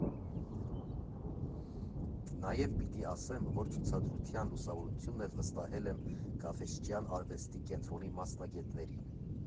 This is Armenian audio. Նաև պիտի ասեմ, որ ցուցադրության լուսավորությունն էլ վստահել եմ Գաֆէսճեան արվեստի կենտրոնի մասնագետներին։